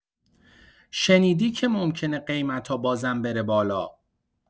شنیدی که ممکنه قیمتا بازم بره بالا؟